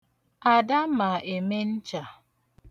Ada ma ka e si eme ncha.